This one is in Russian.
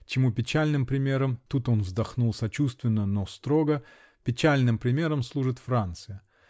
чему печальным примером (тут он вздохнул сочувственно, но строго) -- печальным примером служит Франция!